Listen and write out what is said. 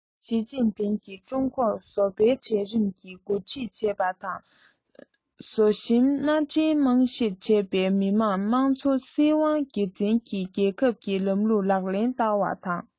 ཞིས ཅིན ཕིང གིས ཀྲུང གོར བཟོ པའི གྲལ རིམ གྱིས འགོ ཁྲིད བྱེད པ དང བཟོ ཞིང མནའ འབྲེལ རྨང གཞིར བྱས པའི མི དམངས དམངས གཙོའི སྲིད དབང སྒེར འཛིན གྱི རྒྱལ ཁབ ཀྱི ལམ ལུགས ལག ལེན བསྟར བ དང